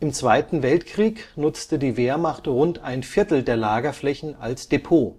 Zweiten Weltkrieg nutzte die Wehrmacht rund ein Viertel der Lagerflächen als Depot